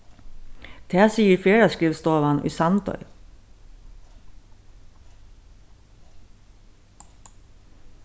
tað sigur ferðaskrivstovan í sandoy